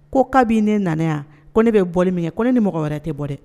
Ko kabi ne na yan ko ne bɛ bɔ min kɛ ko ne ni mɔgɔ wɛrɛ tɛ bɔ dɛ